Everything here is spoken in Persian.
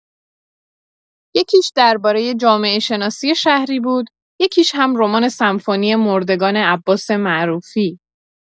یکی‌ش دربارۀ جامعه‌شناسی شهری بود، یکی‌ش هم رمان «سمفونی مردگان» عباس معروفی.